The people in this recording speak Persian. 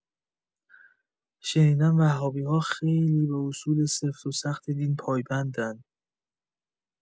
شنیدم وهابی‌ها خیلی به اصول سفت و سخت دین پایبندن.